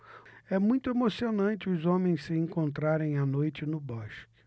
é muito emocionante os homens se encontrarem à noite no bosque